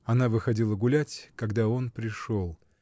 Она выходила гулять, когда он пришел.